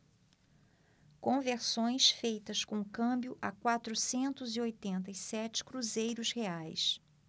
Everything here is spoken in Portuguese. conversões feitas com câmbio a quatrocentos e oitenta e sete cruzeiros reais